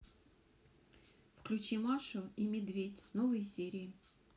включить машу и медведь новые серии